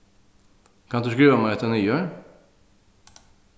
kanst tú skriva mær hetta niður